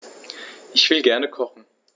Ich will gerne kochen.